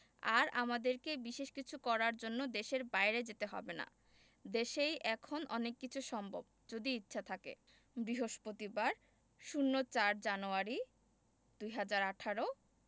আর আমাদেরকে বিশেষ কিছু করার জন্য দেশের বাইরে যেতে হবে না দেশেই এখন অনেক কিছু সম্ভব যদি ইচ্ছা থাকে বৃহস্পতিবার ০৪ জানুয়ারি ২০১৮